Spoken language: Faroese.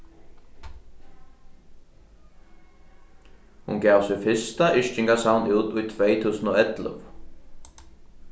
hon gav sítt fyrsta yrkingasavn út í tvey túsund og ellivu